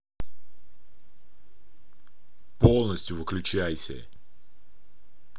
полностью выключайся